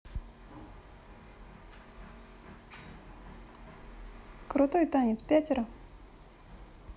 крутой танец пятеро